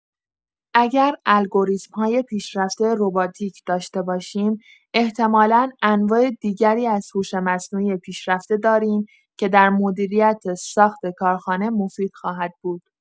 اگر الگوریتم‌های پیشرفته رباتیک داشته باشیم، احتمالا انواع دیگری از هوش مصنوعی پیشرفته داریم که در مدیریت ساخت کارخانه مفید خواهد بود.